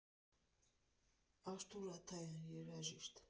Արթուր Աթայան, երաժիշտ։